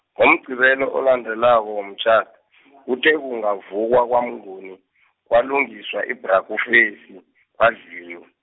ngoMgqibelo olandela womtjhado, kuthe kungavukwa kwaMnguni , kwalungiswa ibhrakufesi, kwadliwa.